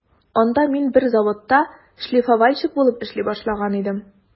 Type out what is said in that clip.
Анда мин бер заводта шлифовальщик булып эшли башлаган идем.